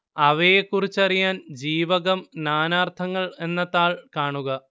അവയെക്കുറിച്ചറിയാൻ ജീവകം നാനാർത്ഥങ്ങൾ എന്ന താൾ കാണുക